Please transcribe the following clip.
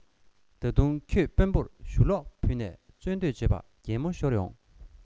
ད དུང ཁྱོད དཔོན པོར ཞུ ལོག ཕུལ ནས རྩོད འདོད བྱེད པ གད མོ ཤོར ཡོང